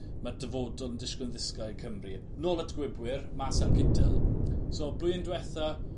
ma'r dyfodol yn dishgwyl yn ddisglai i Cymru. Nôl at gwibwyr Marcel Kittel.